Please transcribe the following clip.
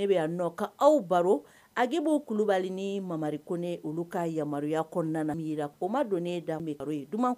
Ne bɛ nɔ aw baro agebo kulubali ni mamari ko ne olu ka yamaruya kɔnɔna ko ma dɔn ne da ye